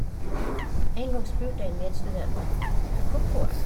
En gang spurte jeg en medstudent Ke klåkko er?